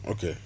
ok